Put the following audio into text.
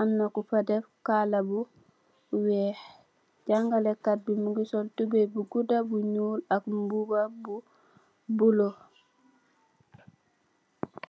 Amna kufa deff kala bu wekh jangale katbi mungi sol tuboy bu guda bu ñul ak mbuba bu bulo.